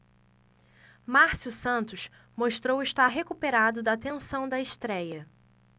márcio santos mostrou estar recuperado da tensão da estréia